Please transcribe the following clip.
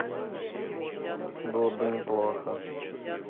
было бы неплохо